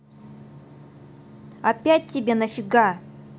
опять тебе нафига